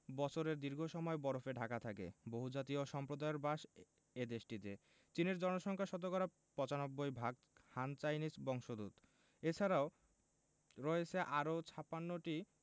বছরের দীর্ঘ সময় বরফে ঢাকা থাকে বহুজাতি ও সম্প্রদায়ের বাস এ দেশটিতে চীনের জনসংখ্যা শতকরা ৯৫ ভাগ হান চাইনিজ বংশোদূত এছারাও রয়েছে আরও ৫৬ টি